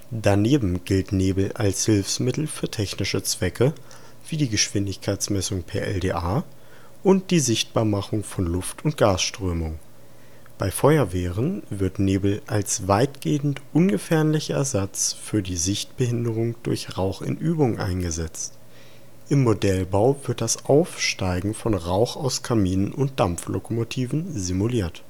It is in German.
Daneben dient Nebel als Hilfsmittel für technische Zwecke wie die Geschwindigkeitsmessung (per LDA) und die Sichtbarmachung von Luft - und Gasströmungen. Bei Feuerwehren wird Nebel als weitgehend ungefährlicher Ersatz für die Sichtbehinderung durch Rauch in Übungen eingesetzt. Im Modellbau wird das Aufsteigen von Rauch aus Kaminen und Dampflokomotiven simuliert